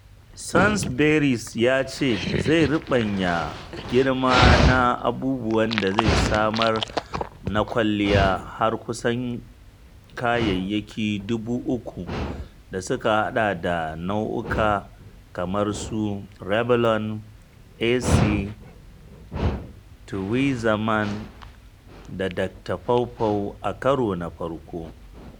Sainsbury’s ya ce zai ruɓanya girma na abubuwan da zai samar na kwalliya har kusan kayayyaki 3,000, da suka haɗa da nau’uka kamar su Revlon, Essie, Tweezerman da Dokta PawPaw a karon farko.